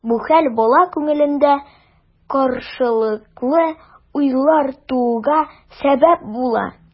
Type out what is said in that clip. Бу хәл бала күңелендә каршылыклы уйлар тууга сәбәп була.